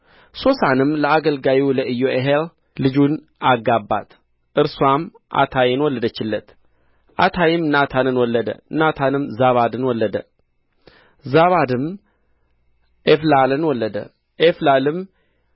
ሶሳንም ለአገልጋዩ ለኢዮሄል ልጁን አጋባት እርስዋም ዓታይን ወለደችለት ዓታይም ናታንን ወለደ ናታንም ዛባድን ወለደ ዛባድም ኤፍላልን ወለደ ኤፍላልም